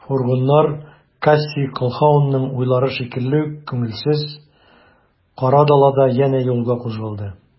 Фургоннар Кассий Колһаунның уйлары шикелле үк күңелсез, кара далада янә юлга кузгалды.